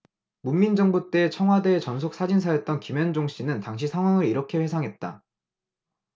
문민정부 때 청와대 전속사진사였던 김현종씨는 당시 상황을 이렇게 회상했다